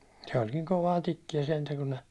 se oli niin kovaa tikkiä sentään kun ne